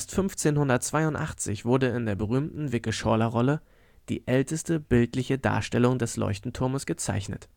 1582 wurde in der berühmten Vicke-Schorler-Rolle die älteste bildliche Darstellung des Leuchtenturmes gezeichnet